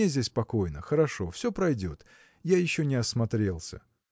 мне здесь покойно, хорошо; все пройдет. я еще не осмотрелся.